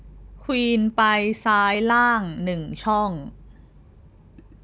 ควีนไปซ้ายล่างหนึ่งช่อง